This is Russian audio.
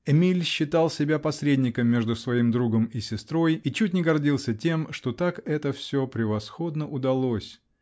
Эмиль считал себя посредником между своим другом и сестрой -- и чуть не гордился тем, что как это все превосходно удалось!